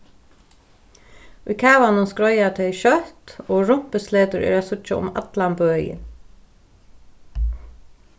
í kavanum skreiða tey skjótt og rumpusletur eru at síggja um allan bøin